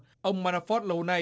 ông ma na phót lâu nay